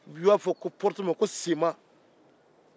u b'a fɔ porte ma ko senma